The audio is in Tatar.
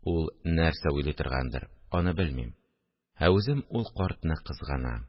Ул нәрсә уйлый торгандыр, аны белмим, ә үзем ул картны кызганам